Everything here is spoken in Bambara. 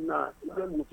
Nka i bɛ misi